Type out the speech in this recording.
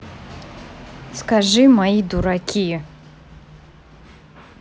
скажи мои дураки